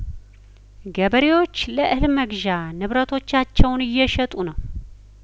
ገበሬዎች ለእህል መግዣ ንብረቶቻቸውን እየሸጡ ነው